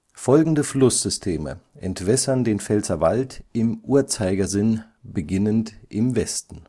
Folgende Flusssysteme entwässern den Pfälzerwald im Uhrzeigersinn, beginnend im Westen